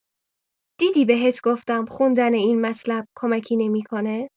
دیدی بهت گفتم خوندن این مطلب کمکی نمی‌کنه!